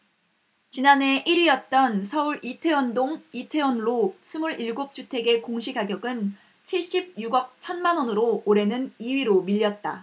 지난해 일 위였던 서울 이태원동 이태원로 스물 일곱 주택의 공시가격은 칠십 육 억 천 만원으로 올해는 이 위로 밀렸다